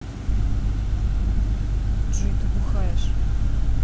джой ты бухаешь